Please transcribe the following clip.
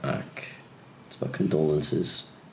Ac tibod condolences.